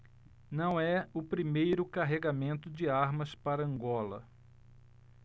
não é o primeiro carregamento de armas para angola